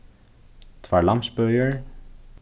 tveir lambsbøgir